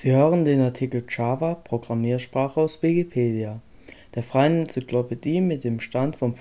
hören den Artikel Java (Programmiersprache), aus Wikipedia, der freien Enzyklopädie. Mit dem Stand vom